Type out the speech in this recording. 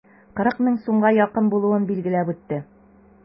40 мең сумга якын булуын билгеләп үтте.